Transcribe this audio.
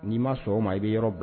N'i ma sɔn o ma i bɛ yɔrɔ bila